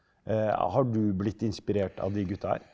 har du blitt inspirert av de gutta her?